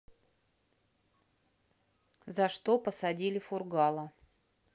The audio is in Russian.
за что посадили фургала